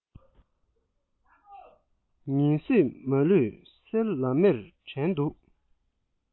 ཉིན སྲིབས མ ལུས སེར ལམ མེར བྲན འདུག